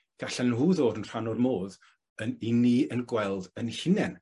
gallen nhw ddod yn rhan o'r modd yn 'yn ni yn gweld 'yn hunen.